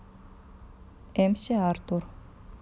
эмси артур